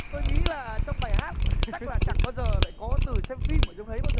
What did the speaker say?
tôi nghĩ là trong bài hát chắc là chẳng bao giờ lại có từ xem phim ở trong đấy bao giờ